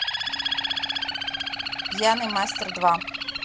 пьяный мастер два